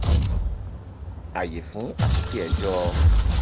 Àyè fún àtúnpè-ẹjọ́